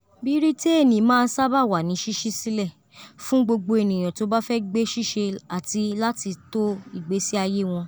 Bírítéènì máa sábà wà ní ṣíṣí sílẹ̀ fún gbogbo ènìyàn tó bá fẹ́ gbé, ṣiṣẹ́ àti láti to ìgbésí ayé wọn.